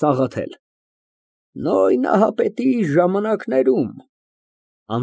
ՍԱՂԱԹԵԼ ֊ Նոյ Նահապետի ժամանակներում։